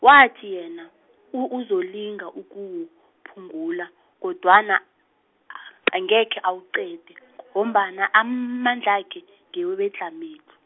wathi yena, u- uzolinga ukuwuphungula, kodwana, a- angekhe awuqede, ngombana amandlakhe, ngewedlhamedlhu.